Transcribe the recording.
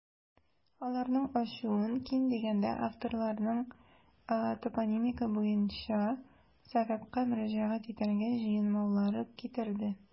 Аларның ачуын, ким дигәндә, авторларның топонимика буенча советка мөрәҗәгать итәргә җыенмаулары китерде.